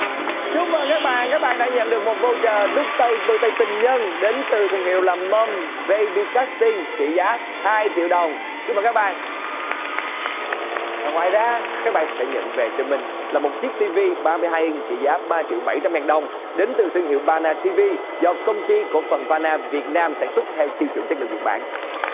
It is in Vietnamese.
chúc mừng các bạn các bạn đã nhận được một vâu chờ đúc tay đôi tình nhân đến từ thương hiệu làm mâm bây bi cát tinh trị giá hai triệu đồng chúc mừng các bạn và ngoài ra các bạn sẽ nhận về cho mình là một chiếc ti vi ba mươi hai inh trị giá ba triệu bảy trăm ngàn đồng đến từ thương hiệu ba na ti vi do công ty cổ phần va na việt nam sản xuất theo tiêu chuẩn chất lượng nhật bản